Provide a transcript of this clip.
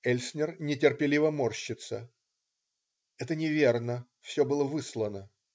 Эльснер нетерпеливо морщится: "Это неверно, все было выслано.